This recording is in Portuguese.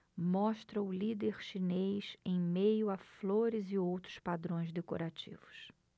mostra o líder chinês em meio a flores e outros padrões decorativos